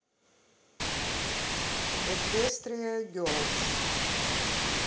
эквестрия герлз